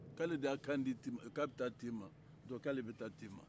k'ale de y'a kan di k'a bɛ taa tema donke k'ale bɛ taa tema